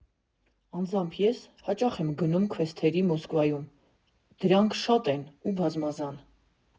Անձամբ ես հաճախ եմ գնում քվեսթերի Մոսկվայում, դրանք շատ են ու բազմազան։